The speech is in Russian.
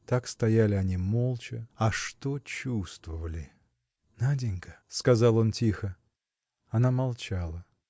Так стояли они молча, а что чувствовали! – Наденька! – сказал он тихо. Она молчала.